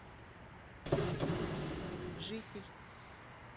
житель